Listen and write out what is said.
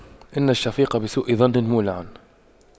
إن الشفيق بسوء ظن مولع